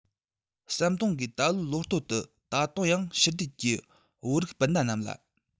ཟམ གདོང གིས ད ལོའི ལོ སྟོད དུ ད དུང ཡང ཕྱི རྒྱལ གྱི བོད རིགས སྤུན ཟླ རྣམས ལ